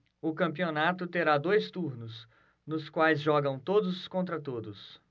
o campeonato terá dois turnos nos quais jogam todos contra todos